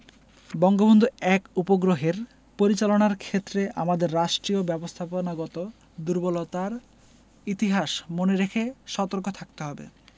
বঙ্গবন্ধু ১ উপগ্রহের পরিচালনার ক্ষেত্রে আমাদের রাষ্ট্রীয় ব্যবস্থাপনাগত দূর্বলতার ইতিহাস মনে রেখে সতর্ক থাকতে হবে